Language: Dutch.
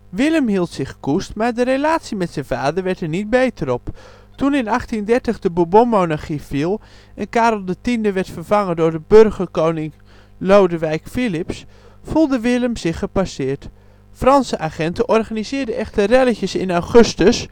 Willem hield zich koest, maar de relatie met zijn vader werd er niet beter op. Toen in 1830 de Bourbonmonarchie viel en Karel X werd vervangen door de burgerkoning Lodewijk Filips, voelde Willem zich gepasseerd. Franse agenten organiseerden echter relletjes in augustus